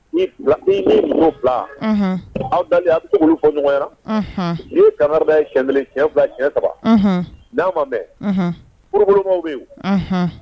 Ni mɔgɔw fila aw da' fɔ ɲɔgɔn ni ye kama ye cɛb cɛ fila cɛn saba n'a ma mɛn pkolomɔgɔww bɛ yen